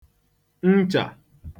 nchà